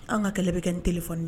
An ka kɛlɛ bɛ kɛ n tele fɔ